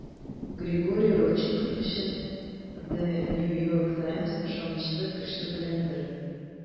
Григорий Родченков өчен The New York Times ышанычлы кеше белән бер.